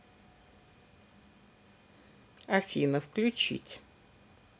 афина включить